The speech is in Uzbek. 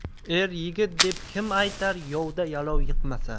er yigit deb kim aytar yovda yalov yiqmasa